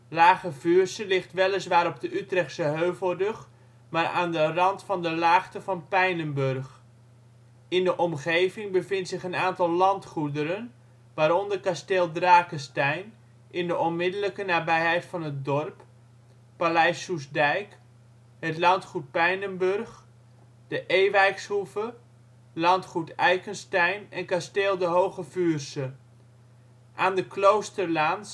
Lage Vuursche ligt weliswaar op de Utrechtse Heuvelrug, maar aan de rand van de Laagte van Pijnenburg. In de omgeving bevindt zich een aantal landgoederen, waaronder Kasteel Drakestein (in de onmiddellijke nabijheid van het dorp), Paleis Soestdijk, het landgoed Pijnenburg, de Ewijckshoeve, Landgoed Eyckenstein en Kasteel de Hooge Vuursche. Aan de Kloosterlaan